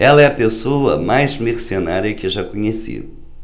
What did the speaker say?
ela é a pessoa mais mercenária que já conheci